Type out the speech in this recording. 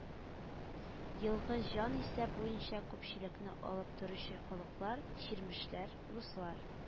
Елгы җанисәп буенча күпчелекне алып торучы халыклар: чирмешләр, руслар